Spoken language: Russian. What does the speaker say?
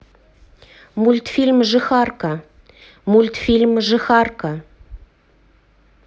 мультфильм жихарка мультфильм жихарка